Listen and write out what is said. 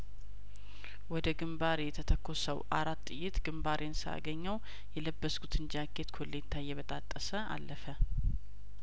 ወደ ግንባሬ የተተኮሰው አራት ጥይት ግንባሬን ሳያገኘው የለበስኩትን ጃኬት ኮሌታ እየበጣጠሰ አለፈ